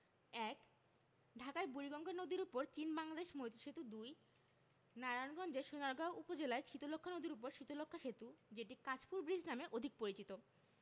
১ ঢাকায় বুড়িগঙ্গা নদীর উপর চীন বাংলাদেশ মৈত্রী সেতু ২ নারায়ণগঞ্জের সোনারগাঁও উপজেলায় শীতলক্ষ্যা নদীর উপর শীতলক্ষ্যা সেতু যেটি কাঁচপুর ব্রীজ নামে অধিক পরিচিত